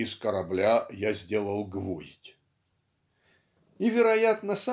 "Из корабля я сделал гвоздь" и вероятно